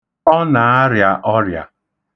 Ọ na-arịa ọrịa.